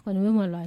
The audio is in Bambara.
Kɔnni ni bɛ maloya